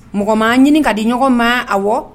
Mɔgɔ ma ɲini ka di ɲɔgɔn ma a wa